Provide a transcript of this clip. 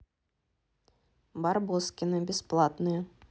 барбоскины бесплатные